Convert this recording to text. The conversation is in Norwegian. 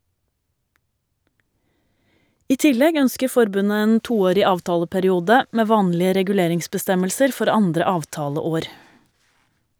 I tillegg ønsker forbundet en toårig avtaleperiode med vanlige reguleringsbestemmelser for andre avtaleår.